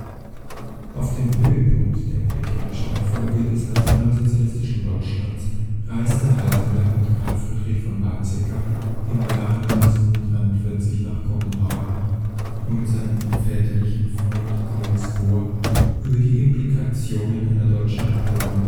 Auf dem Höhepunkt der militärischen Erfolge des nationalsozialistischen Deutschlands reiste Heisenberg mit Carl Friedrich von Weizsäcker im Jahre 1941 nach Kopenhagen, um mit seinem väterlichen Freund Niels Bohr über die Implikationen einer deutschen Atombombe